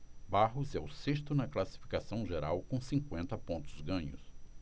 barros é o sexto na classificação geral com cinquenta pontos ganhos